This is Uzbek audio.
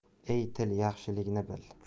ey til yaxshilikni bil